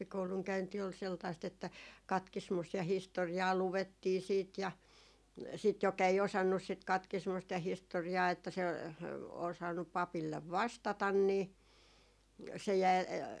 no rippikoulun käynti oli sellaista että katkismusta ja historiaa luettiin sitten ja sitten joka ei osannut sitä katkismusta ja historiaa että se osannut papille vastata niin se jäi